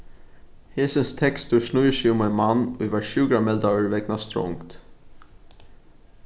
hesin tekstur snýr seg um ein mann ið varð sjúkrameldaður vegna strongd